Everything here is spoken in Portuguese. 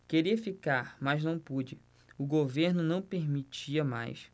queria ficar mas não pude o governo não permitia mais